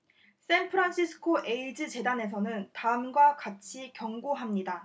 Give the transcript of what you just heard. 샌프란시스코 에이즈 재단에서는 다음과 같이 경고합니다